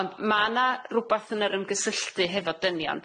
Ond ma' na rwbath yn yr ymgysylltu hefo dynion.